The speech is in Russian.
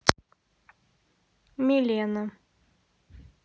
милена